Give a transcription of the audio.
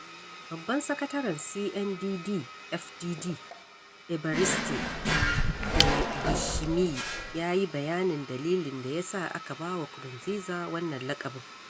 Babban sakataren CNDD-FDD, Eɓariste Ndayishimiye, ya yi bayanin dalilin da ya sa aka ba wa Nkurunziza wannan laƙabin: